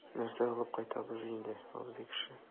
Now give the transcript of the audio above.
Нәрсә алып кайтабыз инде, абзый кеше?